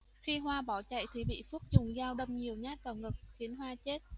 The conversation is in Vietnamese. khi hoa bỏ chạy thì bị phước dùng dao đâm nhiều nhát vào ngực khiến hoa chết